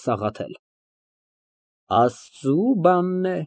ՍԱՂԱԹԵԼ ֊ Աստծու բանն է։